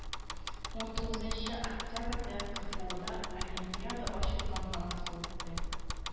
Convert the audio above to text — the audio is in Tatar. Ун тугызынчы октябрьдә кэфэуда олимпиада ачу тантанасы үтте